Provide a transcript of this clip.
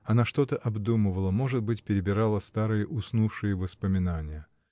Она что-то обдумывала, может быть, перебирала старые, уснувшие воспоминания.